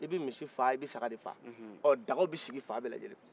i bɛ misi faa i bɛ saga de faa hɔn dagaw bɛ sigi fan bɛlajɛlen fɛ